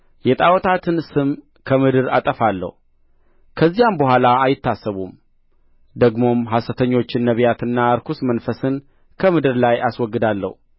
የጣዖታትን ስም ከምድር አጠፋለሁ ከዚያም በኋላ አይታሰቡም ደግሞም ሐሰተኞችን ነቢያትና ርኩስ መንፈስን ከምድር ላይ አስወግዳለሁ